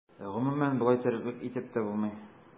Гомумән, болай тереклек итеп тә булмый.